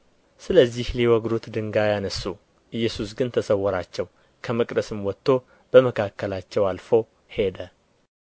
ስለዚህ ሊወግሩት ድንጋይ አነሡ ኢየሱስ ግን ተሰወራቸው ከመቅደስም ወጥቶ በመካከላቸው አልፎ ሄደ